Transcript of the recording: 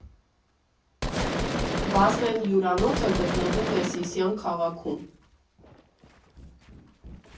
«Բասեն» հյուրանոցը գտնվում է Սիսիան քաղաքում։